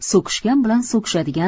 so'kishgan bilan so'kishadigan o'jar